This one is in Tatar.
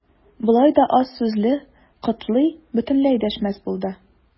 Болай да аз сүзле Котлый бөтенләй дәшмәс булды.